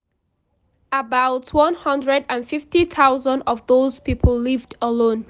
About 150 thousand of those people lived alone.